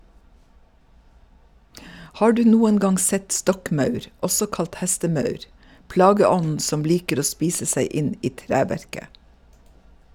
Har du noen gang sett stokkmaur, også kalt hestemaur, plageånden som liker å spise seg inn i treverket?